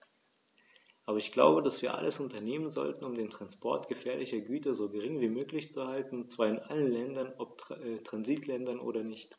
Aber ich glaube, dass wir alles unternehmen sollten, um den Transport gefährlicher Güter so gering wie möglich zu halten, und zwar in allen Ländern, ob Transitländer oder nicht.